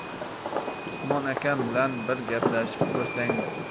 usmon akam bilan bir gaplashib ko'rsangiz